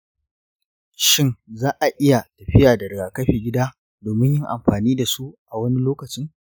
shin za a iya tafiya da rigakafi gida domin yin amfani da su a wani lokaci?